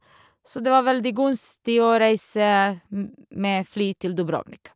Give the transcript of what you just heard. Så det var veldig gunstig å reise m med fly til Dubrovnik.